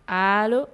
Aalo